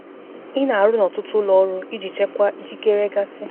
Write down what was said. GV: Ị na-arụ n'ọtụtụ ụlọ ọrụ iji chekwa ikikere gasị.